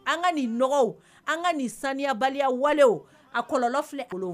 An ka nin nw an ka nin sanuyabaliyawalew a kɔlɔ filɛ